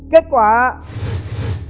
kết quả đó